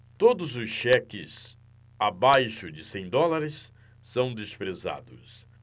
todos os cheques abaixo de cem dólares são desprezados